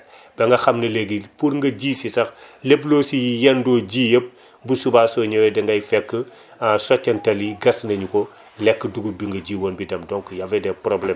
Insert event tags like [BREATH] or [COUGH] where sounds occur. [BREATH] ba nga xam ne léegi pour nga ji si sax lépp loo si yendoo ji yëpp bu subaa soo ñëwee da ngay fekk ah soccantal yi gas nañ ko lekk dugub bi nga ji woon bi dem donc y' avait des problèmes